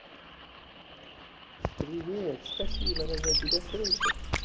привет спасибо рада тебя слышать